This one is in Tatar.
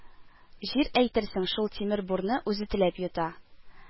Җир әйтерсең шул тимер бурны үзе теләп йота